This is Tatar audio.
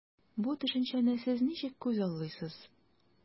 Бу төшенчәне сез ничек күзаллыйсыз?